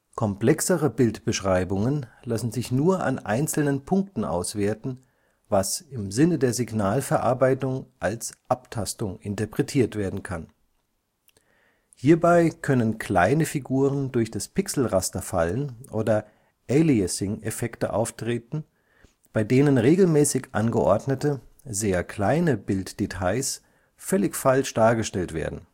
Komplexere Bildbeschreibungen lassen sich nur an einzelnen Punkten auswerten, was im Sinne der Signalverarbeitung als Abtastung interpretiert werden kann. Hierbei können kleine Figuren durch das Pixelraster fallen oder Aliasing-Effekte auftreten, bei denen regelmäßig angeordnete, sehr kleine Bilddetails völlig falsch dargestellt werden